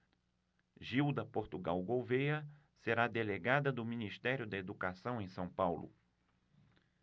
gilda portugal gouvêa será delegada do ministério da educação em são paulo